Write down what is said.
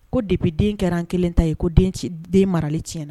Ko depuis den kɛra n kelen ta ye ko den marali tiɲɛna